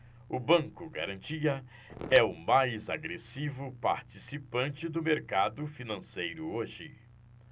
o banco garantia é o mais agressivo participante do mercado financeiro hoje